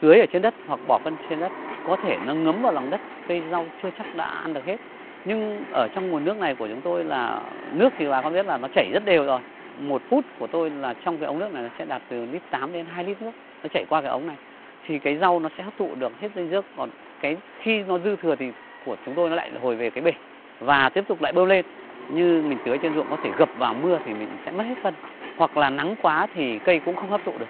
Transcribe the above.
tưới ở trên đất hoặc bỏ phân trên đất có thể nó ngấm vào lòng đất cây rau chưa chắc đã ăn được hết nhưng ở trong nguồn nước này của chúng tôi là nước thì bà con biết là nó chảy rất đều rồi một phút của tôi là trong việc ống nước này sẽ đạt từ mười tám đến hai lít nước nó chảy qua cái ống này thì cái rau nó sẽ hấp thụ được hết dinh dưỡng còn cái khi nó dư thừa thì của chúng tôi lại hồi về cái bể và tiếp tục lại bơm lên như mình tưới trên ruộng có thể gập vào mưa thì mình sẽ mất hết mình hoặc là nắng quá thì cây cũng không hấp thụ được